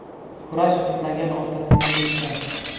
kurash bilmagan otasini yiqitar